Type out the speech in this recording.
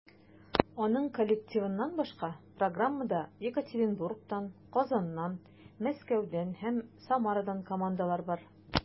Аның коллективыннан башка, программада Екатеринбургтан, Казаннан, Мәскәүдән һәм Самарадан командалар бар.